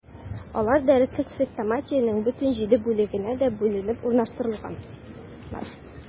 Алар дәреслек-хрестоматиянең бөтен җиде бүлегенә дә бүленеп урнаштырылганнар.